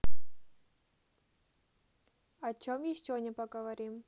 о чем еще не поговорим